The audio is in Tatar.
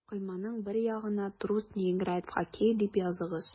Койманың бер ягына «Трус не играет в хоккей» дип языгыз.